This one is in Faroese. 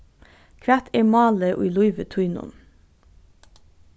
hvat er málið í lívi tínum